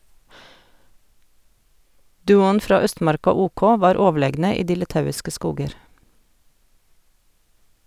Duoen fra Østmarka OK var overlegne i de litauiske skoger.